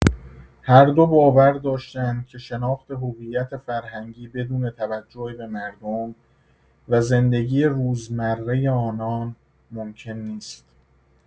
هر دو باور داشتند که شناخت هویت فرهنگی بدون توجه به مردم و زندگی روزمره آنان ممکن نیست.